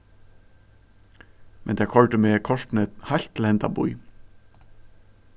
men teir koyrdu meg kortini heilt til henda bý